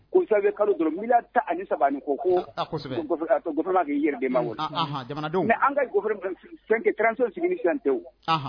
Sɛbɛ kalo donya ta ni saba ko ko' yɛrɛma ma an karan sigilen santewu